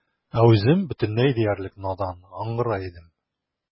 Ә үзем бөтенләй диярлек надан, аңгыра идем.